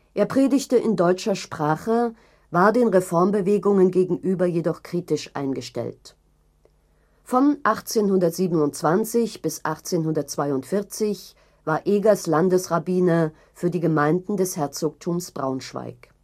Er predigte in deutscher Sprache, war den Reformbewegungen gegenüber jedoch kritisch eingestellt. Von 1827 bis 1842 war Egers Landesrabbiner für die Gemeinden des Herzogtums Braunschweig